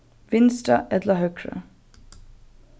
vinstra ella høgra